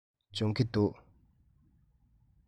སྦྱོང གི འདུག